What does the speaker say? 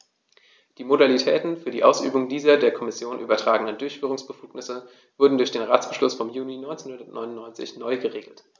Die Modalitäten für die Ausübung dieser der Kommission übertragenen Durchführungsbefugnisse wurden durch Ratsbeschluss vom Juni 1999 neu geregelt.